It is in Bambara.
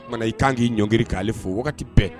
Kumana i k kan k'i ɲɔngkiri k'ale fo wagati bɛɛ